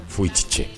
Foyi tɛ cɛ